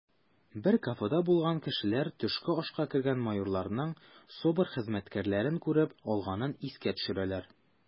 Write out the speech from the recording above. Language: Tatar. Бер кафеда булган кешеләр төшке ашка кергән майорның СОБР хезмәткәрен күреп алганын искә төшерәләр: